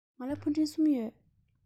ང ལ ཕུ འདྲེན གསུམ ཡོད